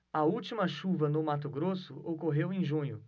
a última chuva no mato grosso ocorreu em junho